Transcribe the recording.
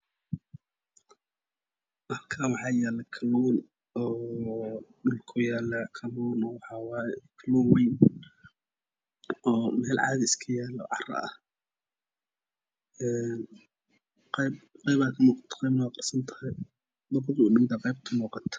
Mashan waxaa yala kaluun iska yala mel cadiya iyo mid karsan